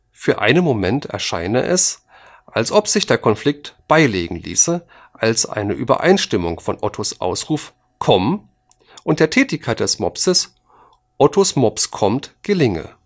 Für einen Moment erscheine es, als ob sich der Konflikt beilegen ließe, als eine Übereinstimmung von Ottos Ausruf „ komm “und der Tätigkeit des Mopses „ ottos mops kommt “gelinge